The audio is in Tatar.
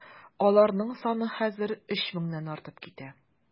Аларның саны хәзер 300 меңнән артып китә.